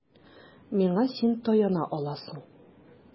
Миңа син таяна аласың.